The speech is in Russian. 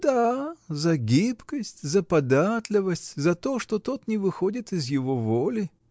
— Да, за гибкость, за податливость, за то, что тот не выходит из его воли.